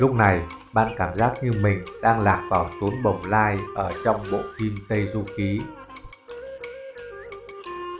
lúc này bạn cảm giác như là mình đang lạc vào chốn bồng lai ở trong bộ phim tây du ký